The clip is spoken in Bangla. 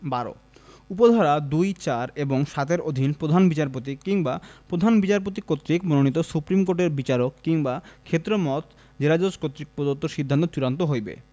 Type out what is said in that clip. ১২ উপ ধারা ২ ৪ এবং ৭ এর অধীন প্রধান বিচারপতি কিংবা প্রধান বিচারপতি কর্তৃক মনোনীত সুপ্রীম কোর্টের বিচারক কিংবা ক্ষেত্রমত জেলাজজ কর্তৃক প্রদত্ত সিদ্ধান্ত চূড়ান্ত হইবে